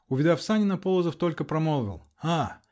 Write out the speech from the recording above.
Увидав Санина, Полозов только промолвил: "А!